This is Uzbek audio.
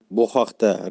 bu haqda ria